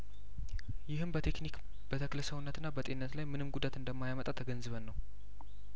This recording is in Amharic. ይህም በቴክኒክ በተክለሰውነትና በጤንነት ላይ ምንም ጉዳት እንደማያመጣ ተገንዝበን ነው